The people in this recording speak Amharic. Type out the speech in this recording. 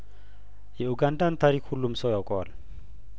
የኡጋንዳን ታሪክ ሁሉም ሰው ያው ቀዋል